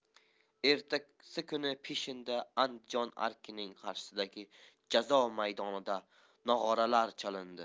ertasi kuni peshinda andijon arkining qarshisidagi jazo maydonida nog'oralar chalindi